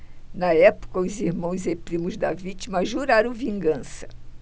na época os irmãos e primos da vítima juraram vingança